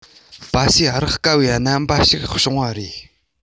སྤ སེ རག དཀའ བའི རྣམ པ ཞིག བྱུང བ རེད